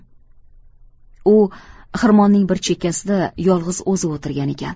u xirmonning bir chekkasida yolg'iz o'zi o'tirgan ekan